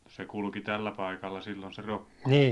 se kulki tällä paikalla silloin se rokko